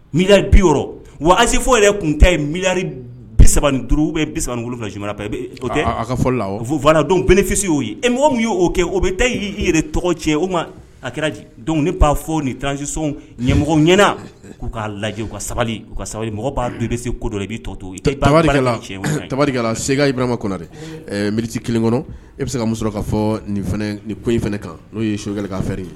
N'i bi wa ayise fɔ yɛrɛ tun ta ye mirisa duuru bɛsafila ka fɔ la o fo' don bɛɛfisi y' ye mɔgɔ min y ye'o kɛ o bɛ taa y'i yɛrɛ tɔgɔ cɛ o ma a kɛra b'a fɔ ni transisɔn ɲɛmɔgɔ ɲɛnaana k'u'a lajɛ u ka sabali u ka sabali mɔgɔ b'a bɛ se ko dɔ i bɛ to ta sema kɔnɔ dɛ miti kelen kɔnɔ e bɛ se ka muso'a fɔ nin ko in fana kan n'o ye sokɛ kɛ k'a fɛ ye